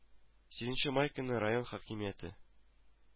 Сигезенче май көнне район хакимияте